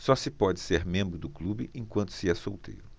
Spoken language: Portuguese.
só se pode ser membro do clube enquanto se é solteiro